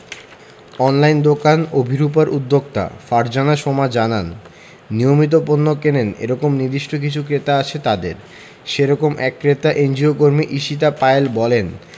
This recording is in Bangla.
অনলাইন দোকান অভিরুপার উদ্যোক্তা ফারজানা সোমা জানান নিয়মিত পণ্য কেনেন এ রকম নির্দিষ্ট কিছু ক্রেতা রয়েছে তাঁদের সে রকম এক ক্রেতা এনজিওকর্মী ঈশিতা পায়েল বলেন